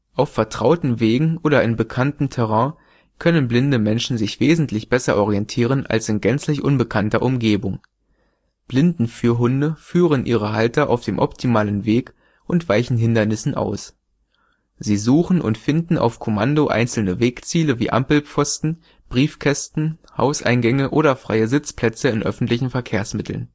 Auf vertrauten Wegen oder in bekanntem Terrain können blinde Menschen sich wesentlich besser orientieren als in gänzlich unbekannter Umgebung. Blindenführhunde führen ihre Halter auf dem optimalen Weg und weichen Hindernissen aus. Sie suchen und finden auf Kommando einzelne Wegziele wie Ampelpfosten, Briefkästen, Hauseingänge oder freie Sitzplätze in öffentlichen Verkehrsmitteln